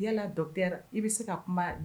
Yala docteur i bɛ se ka kuma dɛ